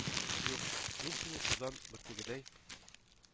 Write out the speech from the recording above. Юк, мин сине тузан бөртегедәй